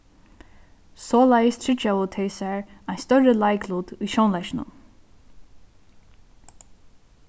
soleiðis tryggjaðu tey sær ein størri leiklut í sjónleikinum